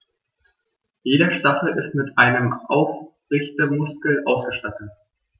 Jeder Stachel ist mit einem Aufrichtemuskel ausgestattet.